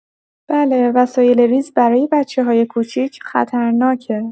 بله، وسایل ریز برای بچه‌های کوچیک خطرناکه.